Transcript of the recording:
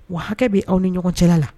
Wa hakɛ bɛ' aw ni ɲɔgɔn cɛla la